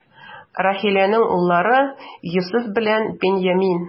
Рахиләнең уллары: Йосыф белән Беньямин.